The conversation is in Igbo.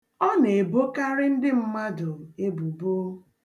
Ọ na-ebokarị ndị mmadụ ebubo.